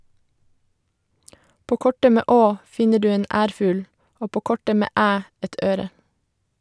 På kortet med Å, finner du en ærfugl, og på kortet med Æ et øre.